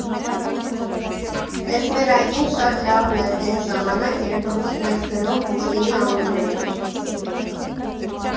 Էս մեր այգին շատ լավն էր էն ժամանակ, երբ ռուս մեծ գրող Պուշկինի անունը ուներ։